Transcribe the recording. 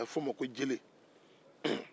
n'i taara kungo kɔnɔ u b'a fɔ ko forojiri